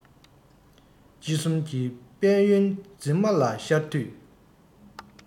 དཔྱིད གསུམ གྱི དཔལ ཡོན འཛིན མ ལ ཤར དུས